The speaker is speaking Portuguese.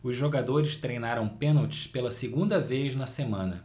os jogadores treinaram pênaltis pela segunda vez na semana